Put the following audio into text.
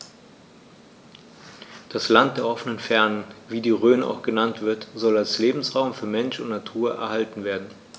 Das „Land der offenen Fernen“, wie die Rhön auch genannt wird, soll als Lebensraum für Mensch und Natur erhalten werden.